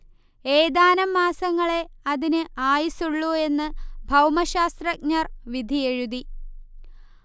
ഏതാനും മാസങ്ങളേ അതിന് ആയുസുള്ളൂ എന്ന് ഭൗമശാസ്ത്രജ്ഞർ വിധിയെഴുതി